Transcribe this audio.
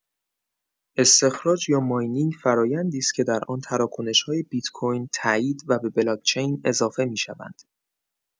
استخراج یا ماینینگ فرآیندی است که در آن تراکنش‌های بیت‌کوین تأیید و به بلاک‌چین اضافه می‌شوند.